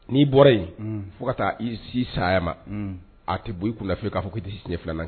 N'i bɔra yen. Hun. Fo ka taa i s'i saya ma. Unhun. A tɛ bɔ i kun na fewu k'a fɔ ko i tɛ siɲɛ filanan kɛ